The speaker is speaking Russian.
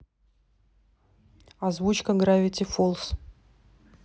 озвучка гравити фолз